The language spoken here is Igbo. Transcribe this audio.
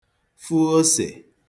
fụ osè